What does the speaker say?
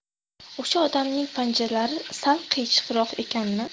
o'sha odamning panjalari sal qiyshiqroq ekanmi